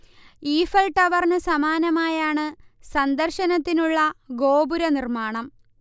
Eiffel ടവറിനു സമാനമായി ആണ് സന്ദര്ശനത്തിനുള്ള ഗോപുര നിർമാണം